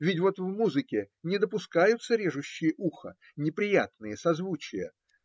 Ведь вот в музыке не допускаются режущие ухо, неприятные созвучия